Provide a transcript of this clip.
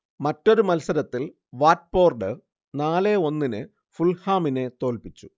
മറ്റൊരു മത്സരത്തിൽ വാറ്റ്പോർഡ് നാലേ ഒന്നിന് ഫുൾഹാമിനെ തോൽപ്പിച്ചു